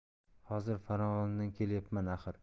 hozir farg'onadan kelyapman axir